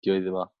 adio iddo fo